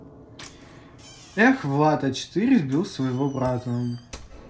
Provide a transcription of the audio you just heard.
влад а четыре сбил своего брата